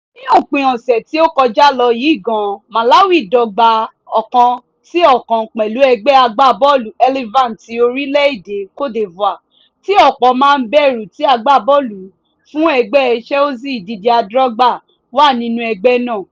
Ní òpin ọ̀sẹ̀ tí ó kọjá lọ yìí gan, Malawi dọ́gba 1-1 pẹ̀lú ẹgbẹ́ agbábọ́ọ̀lù Elephants ti orílẹ̀-èdè Cote d'Ivoire tí ọ̀pọ̀ máa ń bẹ̀rù tí agbábọ́ọ̀lù fún ẹgbẹ́ Chelsea Didier Drogba wà nínú ẹgbẹ́ náà.